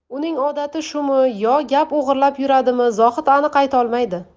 uning odati shumi yo gap o'g'irlab yuradimi zohid aniq aytolmaydi